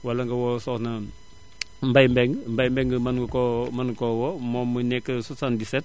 wala nga woo Soxna Mbaye Mbengue Mbaye Mbengue mën nga koo mën nga koo woo moom mi nekk 77